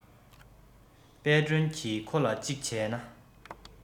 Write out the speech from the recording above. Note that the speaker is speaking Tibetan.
དཔལ སྒྲོན གྱིས ཁོ ལ གཅིག བྱས ན